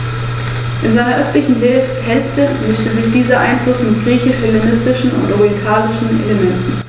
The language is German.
Ziel dieses Biosphärenreservates ist, unter Einbeziehung von ortsansässiger Landwirtschaft, Naturschutz, Tourismus und Gewerbe die Vielfalt und die Qualität des Gesamtlebensraumes Rhön zu sichern.